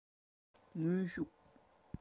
དངོས ཤུགས